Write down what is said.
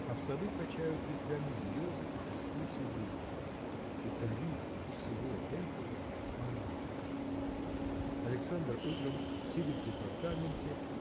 а в саду качают ветвями березы и кусты сирени. И царицей всего этого – она. Александр утром сидя в департаменте